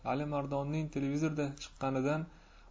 alimardonning televizorda chiqqanidan